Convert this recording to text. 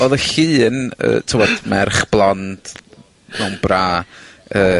odd y llun yy t'mod, merch blond mewn bra, yy